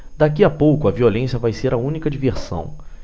daqui a pouco a violência vai ser a única diversão